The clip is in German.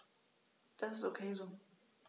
Das ist ok so.